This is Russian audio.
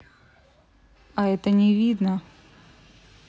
а это не видно